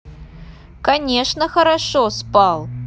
конечно хорошо спал